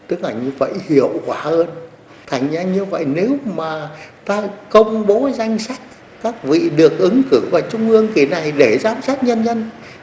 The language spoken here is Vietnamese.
tức là như vậy hiệu quả hơn thành ra như vậy nếu mà ta công bố danh sách các vị được ứng cử vào trung ương kì này để giám sát nhân dân